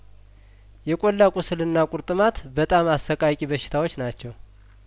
የቆላ ቁስልና ቁርጥማት በጣም አሰቃቂ በሽታዎች ናቸው